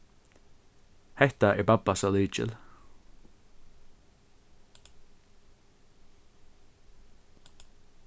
hetta er babbasa lykil